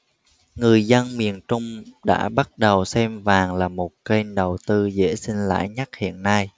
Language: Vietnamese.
người dân miền trung đã bắt đầu xem vàng là một kênh đầu tư dễ sinh lãi nhất hiện nay